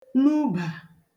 nubà